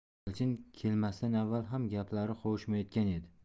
elchin kelmasidan avval ham gaplari qovushmayotgan edi